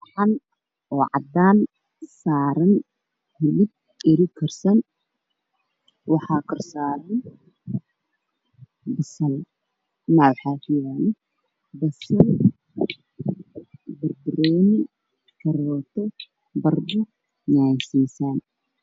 Waa saxan cad waxaa saaran hilib karsan basal karooto miiska u saaran yahay waa caddaan